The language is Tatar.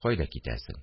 Кайда китәсең